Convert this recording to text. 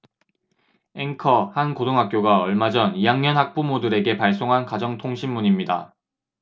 앵커 한 고등학교가 얼마 전 이 학년 학부모들에게 발송한 가정통신문입니다